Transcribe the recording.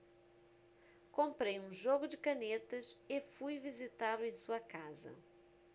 comprei um jogo de canetas e fui visitá-lo em sua casa